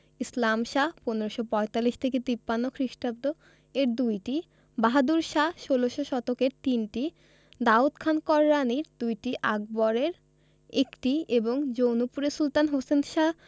ইসলাম শাহ ১৫৪৫ ৫৩ খ্রিটাব্দ এর দুইটি বাহাদুর শাহ ১৬শ শতক এর তিনটি দাউদ খান কররানীর দুইটি আকবর এর একটি এবং জৌনপুরের সুলতান হোসেন শাহ